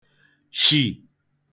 shì